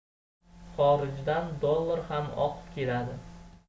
xorijdan dollar ham oqib keladi